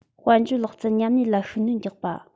དཔལ འབྱོར ལག རྩལ མཉམ ལས ལ ཤུགས སྣོན རྒྱག པ